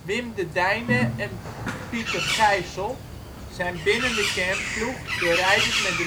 Wim De Deyne en Pieter Gysel zijn binnen de kernploeg de rijders met